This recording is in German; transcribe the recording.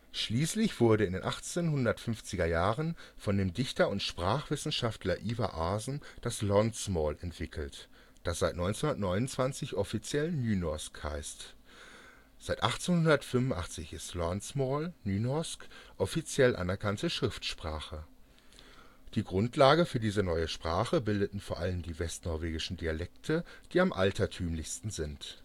Schließlich wurde in den 1850er Jahren von dem Dichter und Sprachwissenschaftler Ivar Aasen das Landsmål entwickelt, das seit 1929 offiziell Nynorsk heißt. Seit 1885 ist Landsmål/Nynorsk offiziell anerkannte Schriftsprache. Die Grundlage für diese neue Sprache bildeten vor allem die westnorwegischen Dialekte, die am altertümlichsten sind